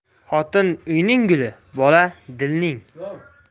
xotin uyning guli bola dilning